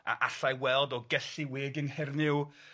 A allai weld o Gelli Wîg yng Nghernyw